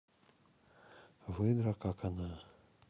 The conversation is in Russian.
выдра как она